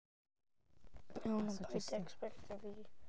Iawn, ond paid a ecspectio fi...